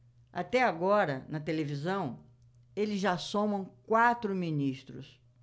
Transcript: até agora na televisão eles já somam quatro ministros